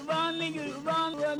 San